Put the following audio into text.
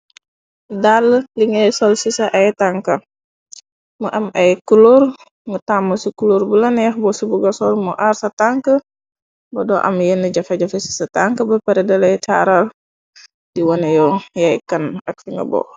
dàll li ngay sol ci ca ay tanka mu am ay kulóor nga tàmm ci kulóor bu la neex bo ci bu gasool mu aar sa tank ba do am yenn jafe-jafe ci ca tank ba pare dalay taaral di wone yoo yaykan ak fi nga boox.